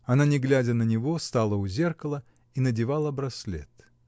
Она, не глядя на него, стала у зеркала и надевала браслет.